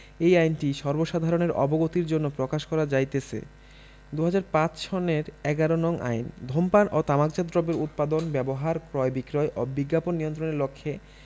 এই আইনটি সর্বসাধারণের অবগতির জন্য প্রকাশ করা যাইতেছে ঃ ২০০৫ সনের ১১ নং আইন ধূমপান ও তামাকজাত দ্রব্যের উৎপাদন ব্যবহার ক্রয় বিক্রয় ও বিজ্ঞাপন নিয়ন্ত্রণের লক্ষ্যে